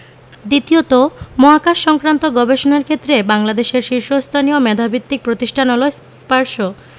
দ্বিতীয়ত মহাকাশসংক্রান্ত গবেষণার ক্ষেত্রে বাংলাদেশের শীর্ষস্থানীয় মেধাভিত্তিক প্রতিষ্ঠান হলো স্পারসো